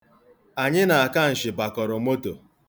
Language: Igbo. Anyị na akanshị bakọrọ moto.